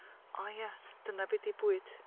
O ie dyna be 'di bwyd.